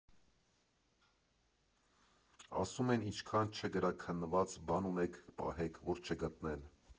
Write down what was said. Ասում են՝ ինչքան չգրաքննված բան ունեք, պահեք, որ չգտնեն։